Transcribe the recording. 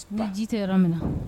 Ji tɛ yɔrɔ min na